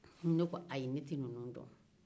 ne ko ayi ne te ninnu dɔn